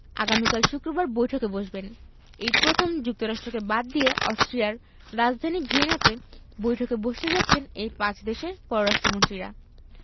আগামীকাল শুক্রবার বৈঠকে বসবেন এই প্রথম যুক্তরাষ্ট্রকে বাদ দিয়ে অস্ট্রিয়ার রাজধানী ভিয়েনাতে বৈঠকে বসতে যাচ্ছেন এই পাঁচ দেশের পররাষ্ট্রমন্ত্রীরা